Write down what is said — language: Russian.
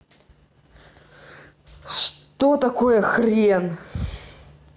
что такое хрен